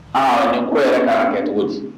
Aa nin ko yɛrɛ k'a kɛ cogo di